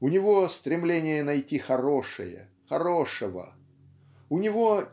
У него - стремление найти хорошее, хорошего у него